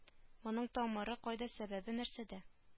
Моның тамыры кайда сәбәбе нәрсәдә